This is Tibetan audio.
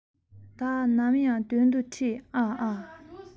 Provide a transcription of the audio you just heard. བདག ནམ ཡང མདུན དུ ཁྲིད ཨ ཨ